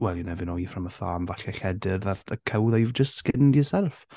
Well you never know, you're from a farm falle lledr that a cow that you've just skinned yourself.